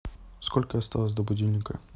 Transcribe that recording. сколько осталось до будильника